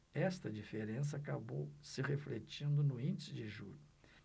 esta diferença acabou se refletindo no índice de julho